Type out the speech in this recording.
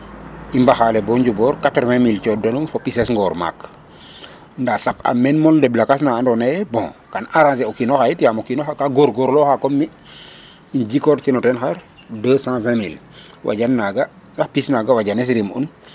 I mbaxale bo njuboor 80000 cooxanum fo pises ngoor maak ndaa saqam meen mol ndeɓ lakas na andoona ye kan arranger o kiin oxa yit yaam o kiin oxa ka goorgoorlooxaa comme mi' um jikoortin o ten xar 220000 wajan naaga pis naaga wajanes rim'un.